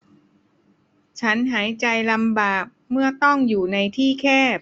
ฉันหายใจลำบากเมื่อต้องอยู่ในที่แคบ